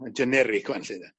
ma'n generic ŵan 'lly 'de.